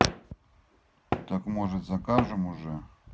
так может закажем уже